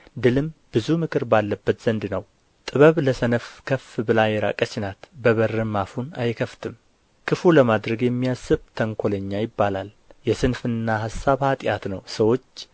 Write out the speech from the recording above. ድልም ብዙ ምክር ባለበት ዘንድ ነው ጥበብ ለሰነፍ ከፍ ብላ የራቀች ናት በበርም አፉን አይከፍትም ክፉ ለማድረግ የሚያስብ ተንኰለኛ ይባላል የስንፍና ሐሳብ ኃጢአት ነው ሰዎች